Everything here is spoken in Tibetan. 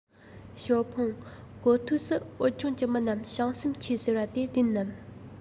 ཞའོ ཧྥུང གོ ཐོས སུ བོད ལྗོངས ཀྱི མི རྣམས བྱང སེམས ཆེ ཟེར བ དེ བདེན ནམ